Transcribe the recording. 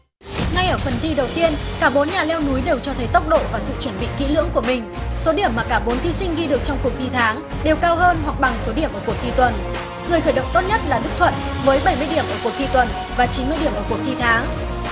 ngay ở phần thi đầu tiên cả bốn nhà leo núi đều cho thấy tốc độ và sự chuẩn bị kỹ lưỡng của mình số điểm mà cả bốn thí sinh ghi được trong cuộc thi tháng đều cao hơn hoặc bằng số điểm ở cuộc thi tuần người khởi động tốt nhất là đức thuận với bảy mươi điểm ở cuộc thi tuần và chín mươi điểm ở cuộc thi tháng